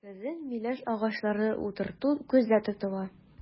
Көзен миләш агачлары утырту күздә тотыла.